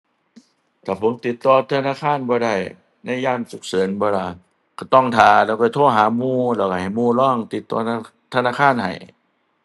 ถ้าผมติดต่อธนาคารบ่ได้ ในยามฉุกเฉินบ่ล่ะ ก็ต้องท่าแล้วค่อยโทรหาหมู่ แล้วก็ให้หมู่ลองติดต่อทะนะ ธนาคารให้